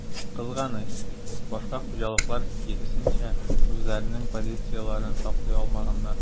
Кызганыч, башка хуҗалыклар, киресенчә, үзләренең позицияләрен саклый алмаганнар.